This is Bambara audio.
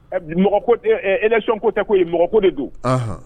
Mɔgɔ ɛcko tɛ ko yen mɔgɔ ko de don